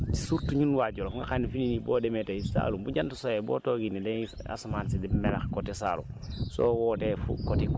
jiw bu gaaw dafa am solo surtout ñun waa Djolof nga xam ne fii boo demee tey Saalum bu jant sowee boo toogee nii dangay gis asamaan si di melax côté Saalum